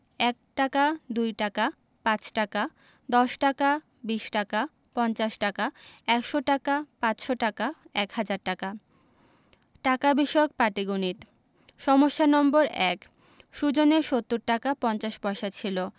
১ টাকা ২ টাকা ৫ টাকা ১০ টাকা ২০ টাকা ৫০ টাকা ১০০ টাকা ৫০০ টাকা ১০০০ টাকা টাকা বিষয়ক পাটিগনিতঃ সমস্যা নম্বর ১ সুজনের ৭০ টাকা ৫০ পয়সা ছিল